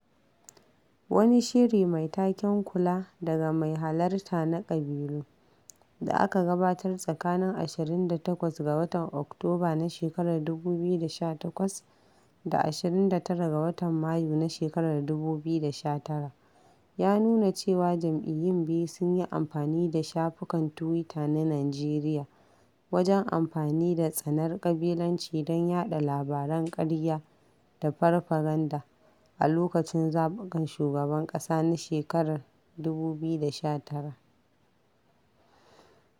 Wani shiri mai taken 'kula daga mai halarta na ƙabilu' da aka gabatar tsakanin 28 ga watan Oktoba na shekarar 2018 da 29 ga watan Mayu na shekarar 2019 ya nuna cewa jam'iyyun biyu sun yi amfani da shafukan tuwita na Nijeriya wajen amfani da tsanar ƙabilanci don yaɗa labaran ƙarya da farfaganda a lokacin zaɓukan shugaban ƙasa na shekarar 2019.